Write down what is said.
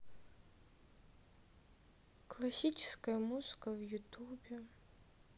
классическая музыка в ютубе